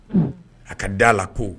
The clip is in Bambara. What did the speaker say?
A ka dala la ko